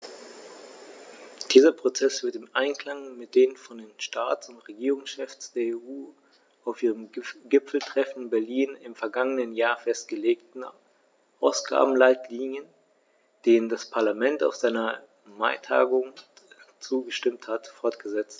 Dieser Prozess wird im Einklang mit den von den Staats- und Regierungschefs der EU auf ihrem Gipfeltreffen in Berlin im vergangenen Jahr festgelegten Ausgabenleitlinien, denen das Parlament auf seiner Maitagung zugestimmt hat, fortgesetzt.